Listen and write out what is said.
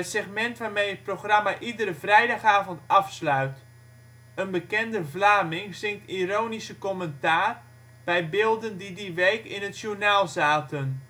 segment waarmee het programma iedere vrijdagavond afsluit. Een bekende Vlaming zingt ironische commentaar bij beelden die die week in het journaal zaten